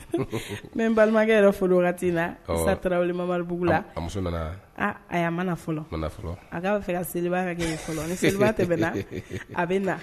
N bɛ balimakɛ yɛrɛ fo nin wagati in na. Isa Tarawele Mamaribugu la . A muso nana wa? A ayi a ma na fɔlɔ. A ka ba fɛ ka seliba kɛ yen fɔlɔ . Ni seliba tɛmɛ na, a bi na.